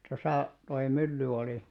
tuossa tuo mylly oli